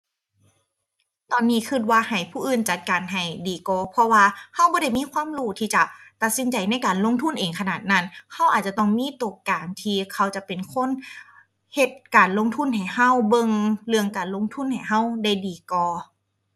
ตอนนี้คิดว่าให้ผู้อื่นจัดการให้ดีกว่า เพราะว่าคิดบ่ได้มีความรู้ที่จะตัดสินใจในการลงทุนเองขนาดนั้น คิดอาจจะต้องมีคิดกลางที่เขาจะเป็นคนเฮ็ดการลงทุนให้คิด เบิ่งเรื่องการลงทุนให้คิดได้ดีกว่า